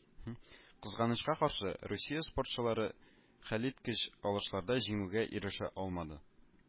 Кызганычка каршы, Русия спортчылары хәлиткеч алышларда җиңүгә ирешә алмады